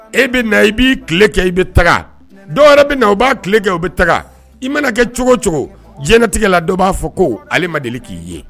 E bɛ na i b'i tile kɛ i bɛ taga dɔw wɛrɛ bɛ na o b'a tile kɛ u bɛ taga i mana kɛ cogo cogo diɲɛtigɛ la dɔw b'a fɔ ko k'i ye